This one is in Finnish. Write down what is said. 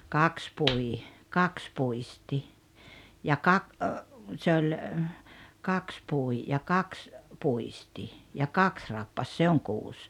kaksi pui kaksi puisti ja - se oli kaksi pui ja kaksi puisti ja kaksi rappasi se on kuusi